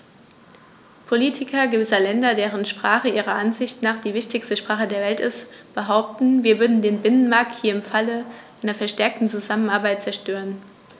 Politiker gewisser Länder, deren Sprache ihrer Ansicht nach die wichtigste Sprache der Welt ist, behaupten, wir würden den Binnenmarkt hier im Falle einer verstärkten Zusammenarbeit zerstören.